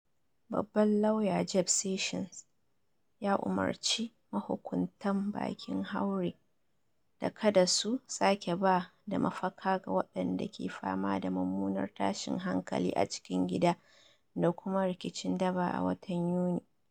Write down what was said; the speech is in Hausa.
Babban Lauya Jeff Sessions ya umarci mahukuntan bakin haure da kada su sake ba da mafaka ga waɗanda ke fama da mummunar tashin hankali a cikin gida da kuma rikicin daba a watan Yuni.